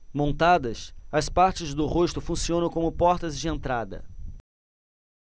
montadas as partes do rosto funcionam como portas de entrada